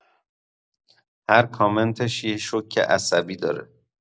هر کامنتش یه شوک عصبی داره!